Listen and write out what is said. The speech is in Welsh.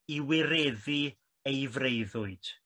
i wireddu ei freuddwyd.